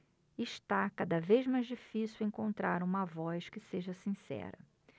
está cada vez mais difícil encontrar uma voz que seja sincera